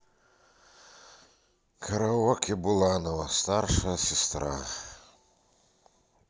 караоке буланова старшая сестра